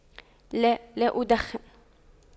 لا لا أدخن